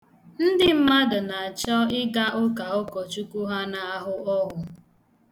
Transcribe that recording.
Ndị mmadụ na-achọ ịga ụka ụkọchukwu ha na-ahụ ọhụ.